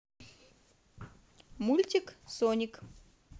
мультик соник